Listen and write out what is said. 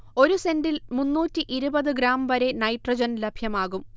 ഒരു സെന്റിൽ മുന്നൂറ്റി ഇരുപത് ഗ്രാം വരെ നൈട്രജൻ ലഭ്യമാകും